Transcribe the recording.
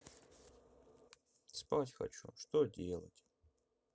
спать хочу что делать